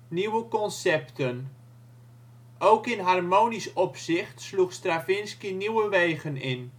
nieuwe concepten. Ook in harmonisch opzicht sloeg Stravinsky nieuwe wegen in